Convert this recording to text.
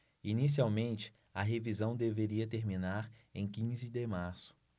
inicialmente a revisão deveria terminar em quinze de março